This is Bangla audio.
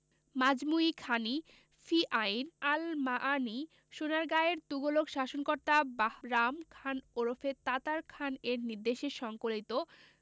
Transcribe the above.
মাজমু ই খানী ফি আইন আল মাআনী সোনারগাঁয়ের তুগলক শাসনকর্তা বাহরাম খান ওরফে তাতার খানএর নির্দেশে সংকলিত